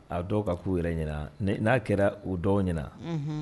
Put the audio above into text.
A dɔw k'u yɛrɛ ɲɛna, ni n'a kɛra u dɔw ɲɛna. Unhun.